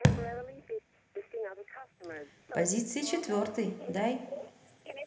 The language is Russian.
позиции четвертый дай